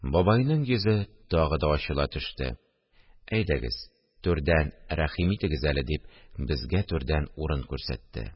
Бабайның йөзе тагын да ачыла төште: – Әйдәгез, түрдән рәхим итегез әле! – дип, безгә түрдән урын күрсәтте